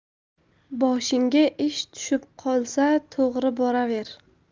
boshingga ish tushib qolsa to'g'ri boraver